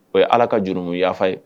O ye ala ka juruurunmu y yafaafa ye